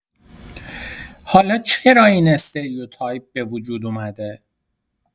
حالا چرا این استریوتایپ به وجود اومده؟